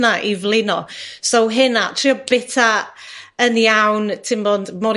'na i flino. So hynna. Trio bita yn iawn, timod mor